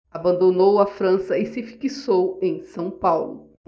abandonou a frança e se fixou em são paulo